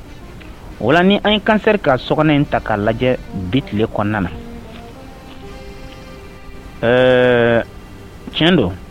Wala an kansɛ ka sokɔnɔ in ta k a lajɛ biti kɔnɔna na ɛɛ tiɲɛ don